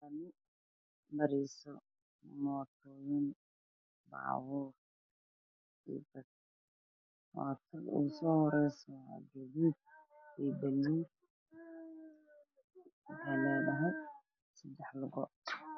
Waxaa maraya bajaajjo kalarkoodu yahay guduud waxaa ka taagan bilood ayaa ka taagan tindhoyn ayaa ka taagan